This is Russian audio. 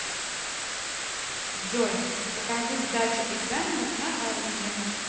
джой покажи сдача экзаменов на оружие